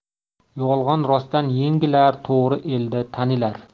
yolg'on rostdan yengilar to'g'ri elda tanilar